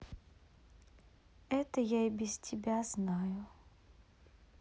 это я и без тебя знаю